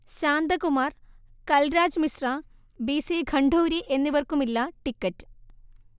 Shantakumar, Kalraj Mishra, B C Khanduri എന്നിവർക്കുമില്ല ticket